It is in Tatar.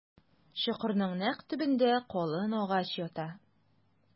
Чокырның нәкъ төбендә калын агач ята.